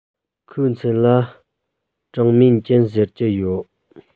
ཁོའི མཚན ལ ཀྲང མིང ཅུན ཟེར གྱི ཡོད